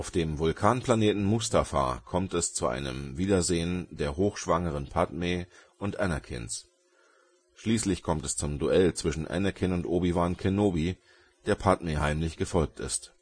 dem Vulkanplaneten Mustafar kommt es zu einem Wiedersehen der hochschwangeren Padmé und Anakins. Schließlich kommt es zum Duell zwischen Anakin und Obi-Wan Kenobi, der Padmé heimlich gefolgt ist